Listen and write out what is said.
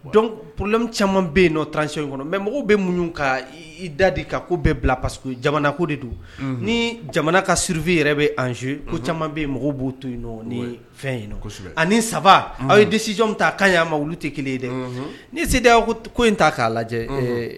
Dɔn porola caman bɛ yen transi kɔnɔ mɛ mɔgɔw bɛ mun ka i dadi ka ko bɛɛ bila pa jamana ko de don ni jamana ka surfin yɛrɛ bɛ anz ko caman bɛ yen mɔgɔw b'o to yen nɔ ni fɛn in ani saba aw ye disijw ta ka ya ma olu tɛ kelen ye dɛ ni se ko in ta k'a lajɛ